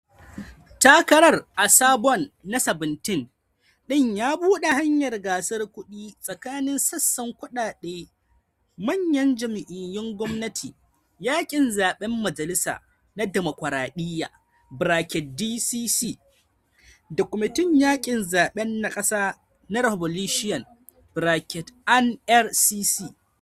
Takarar a sabon na 17 ɗin ya buɗe hanyar gasar kuɗi tsakanin sassan kuɗaɗen manyan jam’iyu, Kwamitin Yakin Zaben Majalisa na Damokraɗiya (DCCC) da Kwamitin Yakin Zaben na Kasa na Republicans (NRCC).